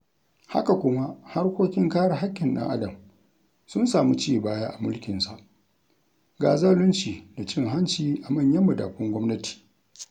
Haka kuma, harkokin kare haƙƙin ɗan'adam sun samu cibaya a mulkinsa, ga zalunci da cin hanci a manyan madafun gwamnati.